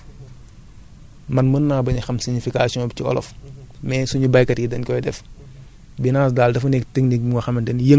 binage moom dafa nekk technique bu nga xamante ni peut être man mën naa bañ a xam signification bi ci wolof